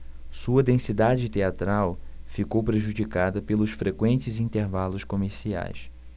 sua densidade teatral ficou prejudicada pelos frequentes intervalos comerciais